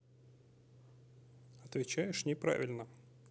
отвечаешь неправильно